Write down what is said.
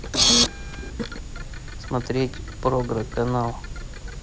смотреть програ канал